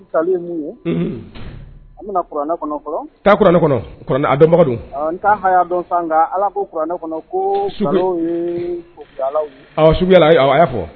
An bɛna kuranɛ kɔnɔ kuranɛ kɔnɔ dɔn n' dɔn ala ko kuranɛ kɔnɔ ko y'a fɔ